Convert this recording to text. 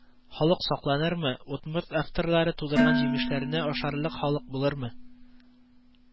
Халык сакланырмы, удмурт авторлары тудырган җимешләрне ашарлык халык булырмы